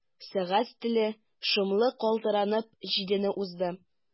Сәгать теле шомлы калтыранып җидене узды.